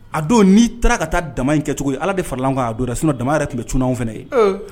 A don n'i taara ka taa dama in kɛ cogo ye ala de faralankan a don dɛ sunɔ dama yɛrɛ tun bɛ cw fana ye